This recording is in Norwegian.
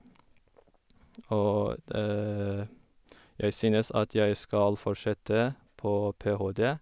Og jeg synes at jeg skal fortsette på PhD.